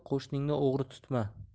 qo'shningni o'g'ri tutma